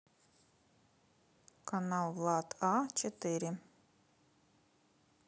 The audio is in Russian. канал влад а четыре